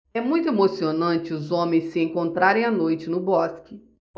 é muito emocionante os homens se encontrarem à noite no bosque